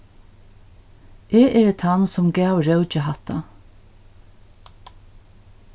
eg eri tann sum gav róki hatta